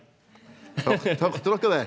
hør hørte dere det?